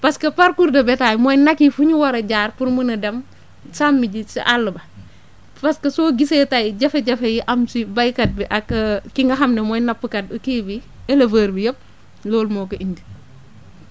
parce que parcours de bétail mooy nag yi dfu ñu war a jaar pour mun a dem sàmmi ji sa àll ba parce que soo gisee tey jafe-jafe yi am si béykat bi ak ki nga xam ne mooy nappkat bi kii bi éleveur bi yëpp loolu moo ko indi